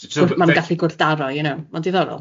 ...sort of ma'n gallu gwrddaro you know ma'n diddorol.